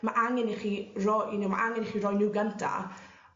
ma' angen i chi ro- you know ma' angen i chi roi n'w gynta